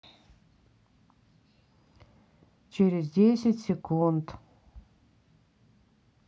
через десять секунд